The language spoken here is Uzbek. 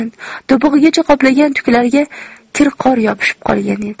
to'pig'igacha qoplagan tuklariga kir qor yopishib qolgan edi